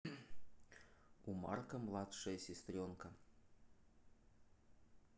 у марка младшая сестренка